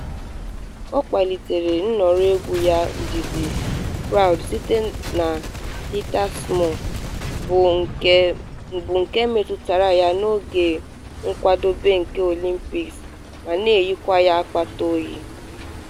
Ọ kpalitere nhọrọ egwu ya izizi - Proud site na Heather Small - bụ nke metụtara ya n’oge nkwadobe nke Olympics ma na-enyekwa ya akpata oyi.